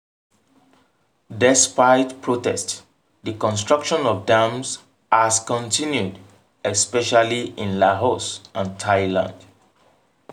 Despite protests, the construction of dams has continued, especially in Laos and Thailand.